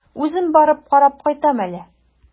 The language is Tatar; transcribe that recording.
Үзем барып карап кайтам әле.